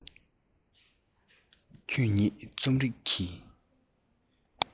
ཁྱོད ཉིད རྩོམ རིག གི